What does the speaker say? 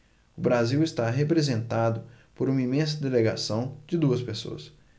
o brasil está representado por uma imensa delegação de duas pessoas